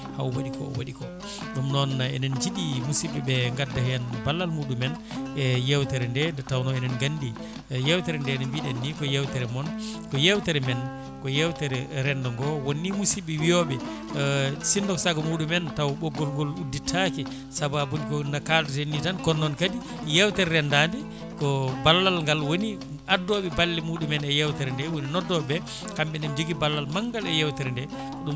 haawo waɗi ko waɗi ko ɗum noon enen jiiɗi musibɓeɓe gadda hen ballal muɗumen e yewtere nde nde tawno enen gandi yewtere nde no mbiɗen ni ko yewtere moon ko yewtere men ko yewtere rendo ngo woni ni musibɓe wiyoɓe sinno ko saago muɗumen taw ɓoggol ngol udditake sababude no kaldeten ni tan kono noon kadi yewtere rendade ko balal ngal woni addoɓe balle muɗumen e yewtere nde woni noddoɓeɓe kamɓene eɓe joogui ballal maggal e yewtere nde